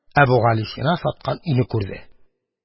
Әбүгалисина саткан өйне күрде.